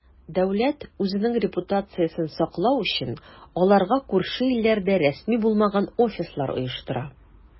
Дәүләт, үзенең репутациясен саклау өчен, аларга күрше илләрдә рәсми булмаган "офислар" оештыра.